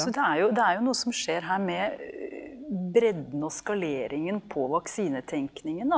så det er jo det er jo noe som skjer her med bredden og skaleringen på vaksinetenkning da.